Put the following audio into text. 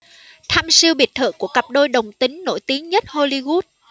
thăm siêu biệt thự của cặp đôi đồng tính nổi tiếng nhất hollywood